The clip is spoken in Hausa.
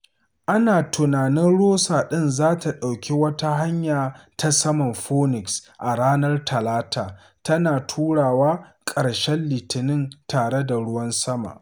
Ana tsammanin Rosa ɗin za ta ɗauki wata hanya ta saman Phoenix a ranar Talata, tana turawa zuwa ƙarshen Litinin tare da ruwan sama.